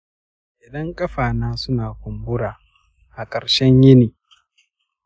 idan kafa na suna kumbura a ƙarshen yini.